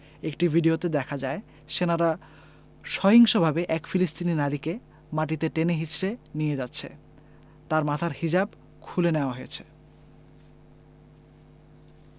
একটি ভিডিওতে দেখা যায় সেনারা সহিংসভাবে এক ফিলিস্তিনি নারীকে মাটিতে টেনে হেঁচড়ে নিয়ে যাচ্ছে তার মাথার হিজাব খুলে নেওয়া হয়েছে